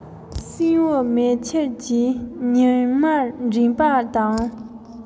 སྲིན བུ མེ ཁྱེར གྱིས ཉི མར འགྲན པ དང